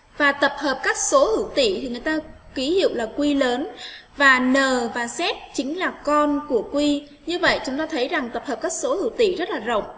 bài tập hợp các số hữu tỉ kí hiệu là cu lớn và n và z chính là con của quy như vậy chúng ta thấy rằng tập hợp các số hữu tỉ rất là rộng